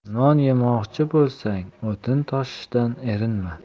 non yemoqchi bo'lsang o'tin tashishdan erinma